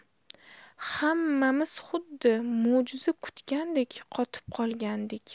hammamiz xuddi mo'jiza kutgandek qotib qolgandik